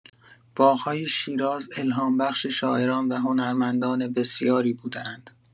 باغ‌های شیراز الهام‌بخش شاعران و هنرمندان بسیاری بوده‌اند.